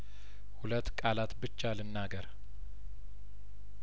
ሁለት ቃላት ብቻ ልናገር